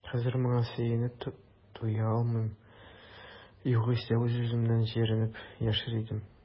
Хәзер моңа сөенеп туя алмыйм, югыйсә үз-үземнән җирәнеп яшәр идем.